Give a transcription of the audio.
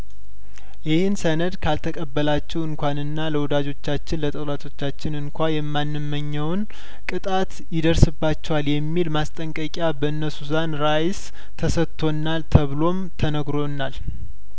ይህን ሰነድ ካልተቀ በላችሁ እንኳንና ለወዳጆቻችን ለጠላቶቻችን እንኳ የማንመኘውን ቅጣት ይደርስባችኋል የሚል ማስጠንቀቂያ በእነ ሱዛን ራይስ ተሰጥቶናል ተብሎም ተነግሮናል